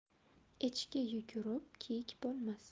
echki yugurib kiyik bo'lmas